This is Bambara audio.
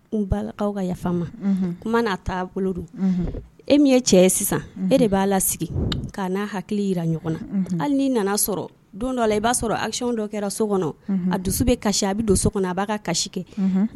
N aw ka yafa'a' bolo don e min ye cɛ sisan e de b'a la sigi k' n'a hakili jira ɲɔgɔn na hali n'i nana sɔrɔ don dɔ la i b'a sɔrɔ asiyɛn dɔ kɛra so kɔnɔ a dusu bɛ kasi a bɛ don so kɔnɔ a b'a kasi kɛ